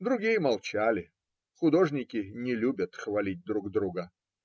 Другие молчали: художники не любят хвалить друг друга.